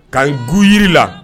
Ka n gu jiri la